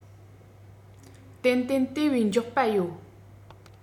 ཏན ཏན དེ བས མགྱོགས པ ཡོད